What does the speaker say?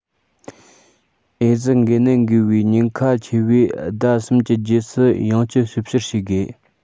ཨེ ཙི འགོས ནད འགོས པའི ཉེན ཁ ཆེ བས ཟླ གསུམ གྱི རྗེས སུ ཡང བསྐྱར ཞིབ དཔྱད བྱེད དགོས